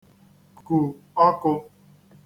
kù ọkụ̄